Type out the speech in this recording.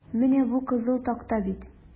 Менә бу кызыл такта бит?